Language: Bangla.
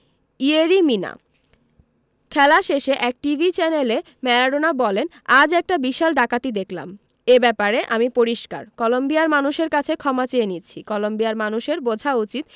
ইয়েরি মিনা খেলা শেষে এক টিভি চ্যানেলে ম্যারাডোনা বলেন আজ একটা বিশাল ডাকাতি দেখলাম এ ব্যাপারে আমি পরিষ্কার কলম্বিয়ার মানুষের কাছে ক্ষমা চেয়ে নিচ্ছি কলম্বিয়ার মানুষের বোঝা উচিত